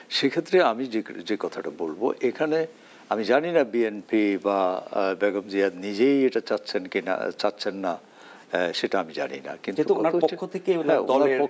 সেক্ষেত্রে আমি যে কথাটা বলব এখানে আমি জানি না বিএনপি বা বেগম জিয়া নিজে এটা চাচ্ছেন কিনা চাচ্ছেন না সেটা আমি জানি না কিন্তু কিন্তু উনার পক্ষ থেকে দলের